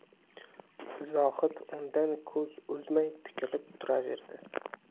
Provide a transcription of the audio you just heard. zohid undan ko'z uzmay tikilib turaverdi